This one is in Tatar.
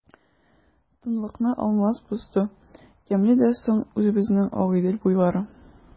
Тынлыкны Алмаз бозды:— Ямьле дә соң үзебезнең Агыйдел буйлары!